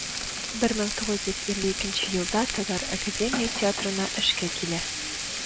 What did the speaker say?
1952 елда татар академия театрына эшкә килә.